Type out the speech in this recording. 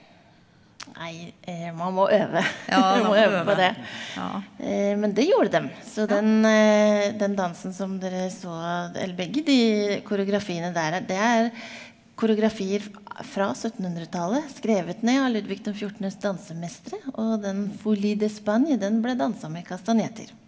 nei man må øve, du må øve på det, men det gjorde dem så den den dansen som dere så eller begge de koreografiene der er det er koreografier fra syttenhundretallet, skrevet ned av Ludvig den fjortendes dansemestre og den , den ble dansa med kastanjetter.